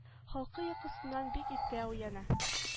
Халкы йокысыннан бик иртә уяна